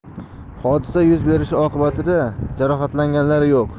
hodisa yuz berishi oqibatida jarohatlanganlar yo'q